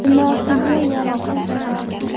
gunohiga yarasha jazosi